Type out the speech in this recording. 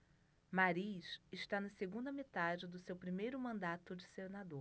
mariz está na segunda metade do seu primeiro mandato de senador